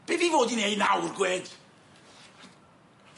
Be' fi fod i neud nawr gwed?